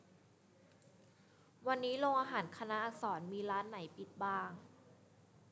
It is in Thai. วันนี้โรงอาหารคณะอักษรมีร้านไหนปิดบ้าง